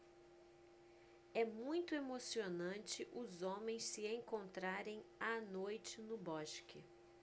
é muito emocionante os homens se encontrarem à noite no bosque